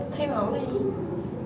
thay máu